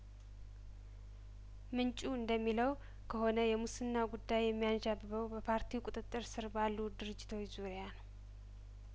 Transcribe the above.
ምንጩ እንደሚለው ከሆነ የሙስናው ጉዳይ የሚያንዣብበው በፓርቲው ቁጥጥር ስርባሉ ድርጅቶች ዙሪያነው